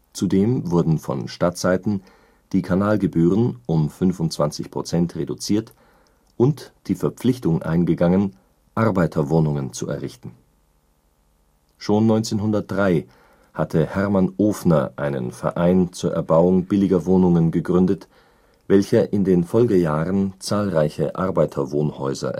Zudem wurden von Stadtseiten die Kanalgebühren um 25 % reduziert und die Verpflichtung eingegangen, Arbeiterwohnungen zu errichten. Schon 1903 hatte Hermann Ofner einen Verein zur Erbauung billiger Wohnungen gegründet, welcher in den Folgejahren zahlreiche Arbeiterwohnhäuser